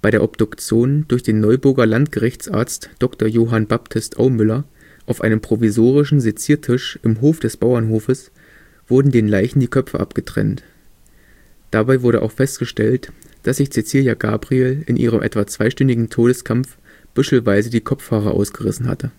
der Obduktion durch den Neuburger Landgerichtsarzt Dr. Johann Baptist Aumüller auf einem provisorischen Seziertisch im Hof des Bauernhofes wurden den Leichen die Köpfe abgetrennt. Dabei wurde auch festgestellt, dass sich Cäzilia Gabriel in ihrem etwa zweistündigen Todeskampf büschelweise die Kopfhaare ausgerissen hatte